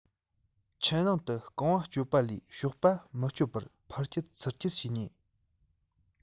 ཆུ ནང དུ རྐང བ སྤྱོད པ ལས གཤོག པ མི སྤྱོད པར ཕར རྐྱལ ཚུལ རྐྱལ བྱས ནས